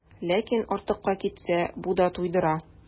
Ләкин артыкка китсә, бу да туйдыра.